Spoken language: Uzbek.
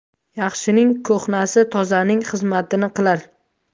yaxshining ko'hnasi tozaning xizmatini qilar